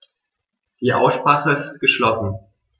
Die Aussprache ist geschlossen.